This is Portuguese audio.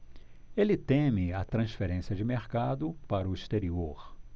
ele teme a transferência de mercado para o exterior